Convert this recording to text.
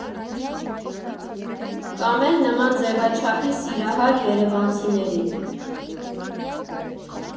Կամ էլ նման ձևաչափի սիրահար երևանցիների։